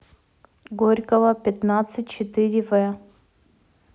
горького пятьдесят четыре в